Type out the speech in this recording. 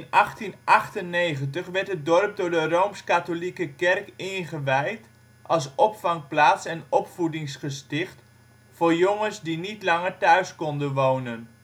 uit Zutphen. In 1898 werd het dorp door de Rooms-Katholieke kerk ingewijd als opvangplaats en opvoedingsgesticht voor jongens die niet langer thuis konden wonen